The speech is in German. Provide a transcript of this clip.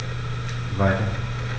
Weiter.